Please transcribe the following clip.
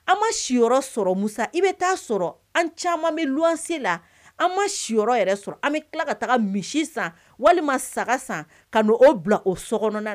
An ma si sɔrɔ musa i bɛ taa sɔrɔ an caman bɛ luse la an ma si yɛrɛ sɔrɔ an bɛ tila ka taga misi san walima saga san ka don o bila o so kɔnɔɔn